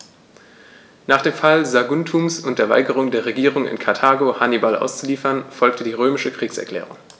Nach dem Fall Saguntums und der Weigerung der Regierung in Karthago, Hannibal auszuliefern, folgte die römische Kriegserklärung.